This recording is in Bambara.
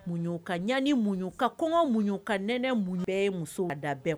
Muɲun ka ɲani muɲun ka kɔŋɔ muɲun ka nɛnɛ muɲun bɛɛ ye musow ka da bɛ